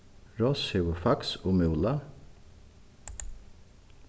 ross hevur faks og múla